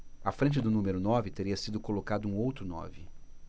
à frente do número nove teria sido colocado um outro nove